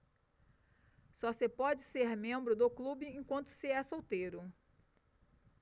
só se pode ser membro do clube enquanto se é solteiro